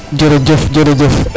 jerejef jerejef